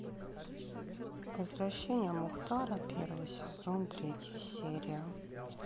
возвращение мухтара первый сезон третья серия